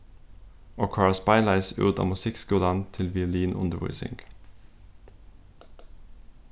og koyrast beinleiðis út á musikkskúlan til violinundirvísing